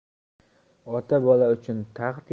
ota bola uchun taxt